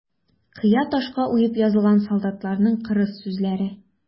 Кыя ташка уеп язылган солдатларның кырыс сүзләре.